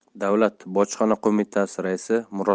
davlat bojxona qo'mitasi